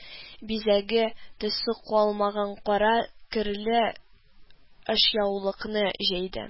Бизәге, төсе калмаган кара керле ашъяулыкны җәйде